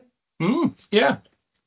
Mm, ie.